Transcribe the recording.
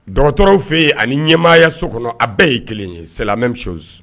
Dɔgɔtɔrɔw fɛ yen ani ɲɛmaaya so kɔnɔ a bɛɛ ye kelen ye silamɛmɛ misis